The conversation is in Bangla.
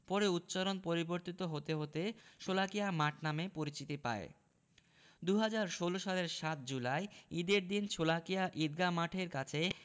পরে উচ্চারণ পরিবর্তন হতে হতে শোলাকিয়া মাঠ নামে পরিচিতি পায় ২০১৬ সালের ৭ জুলাই ঈদের দিন শোলাকিয়া ঈদগাহ মাঠের কাছে